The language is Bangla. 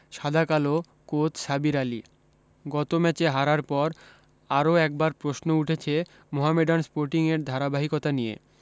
সাদা কালো কোচ সাবির আলি গত ম্যাচে হারার পর আরও একবার প্রশ্ন উঠেছে মোহামেডান স্পোর্টিংয়ের ধারাবাহিকতা নিয়ে